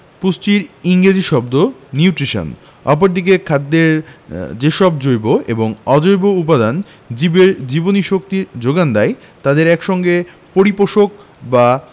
পুষ্টির ইংরেজি শব্দ নিউট্রিশন অপরদিকে খাদ্যের যেসব জৈব অথবা অজৈব উপাদান জীবের জীবনীশক্তির যোগান দেয় তাদের এক সঙ্গে পরিপোষক বা